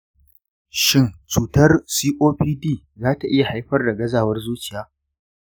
shin cutar copd za ta iya haifar da gazawar zuciya?